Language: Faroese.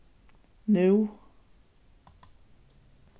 nú